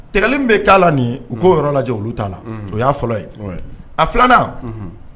Kɛlɛlen bɛ' nin u ko yɔrɔ lajɛ olu t'a la o fɔlɔ ye a filanan